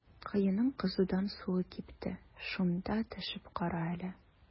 Коеның кызудан суы кипте, шунда төшеп кара әле.